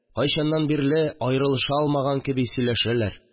Кайчаннан бирле аерылыша алмаган кеби сөйләшәләр